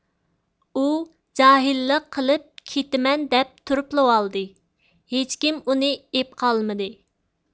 ئۇ جاھىللىق قىلىپ كېتىمەن دەپ تۇرۇپلىۋالدى ھېچكىم ئۇنى ئېپقالمىدى